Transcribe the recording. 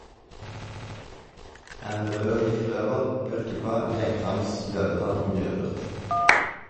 Her er rød og hvit kløver, bjørkeblad, geitrams, løvetann og mjødurt.